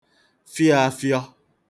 fịọ āfịọ̄